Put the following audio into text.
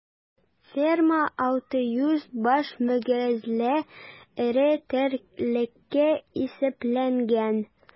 Ферма 600 баш мөгезле эре терлеккә исәпләнгән.